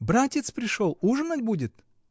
— Братец пришел: ужинать будет!